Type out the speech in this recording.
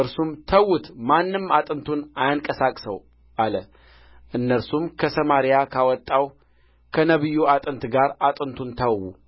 እርሱም ተዉት ማንም አጥንቱን አያንቀሳቅሰው አለ እነርሱም ከሰማርያ ከወጣው ከነቢዩ አጥንት ጋር አጥንቱን ተዉ